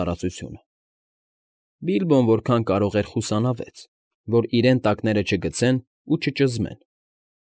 Տարածությունը։ Բիլբոն ինչքան կարող էր խուսանավեց, որ իրեն տակները չգցեն ու չճզմեն։